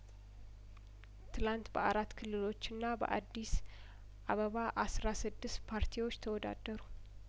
ትላንት በአራት ክልሎችና በአዲስ አበባ አስራ ስድስት ፓርቲዎች ተወዳደሩ